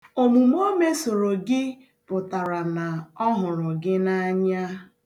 Omume o mesoro gị pụtara na ọ hụrụ gị n'anya.